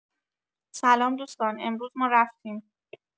سلام دوستان امروز ما رفتیم